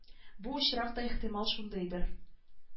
Бу очрак та ихтимал шундыйдыр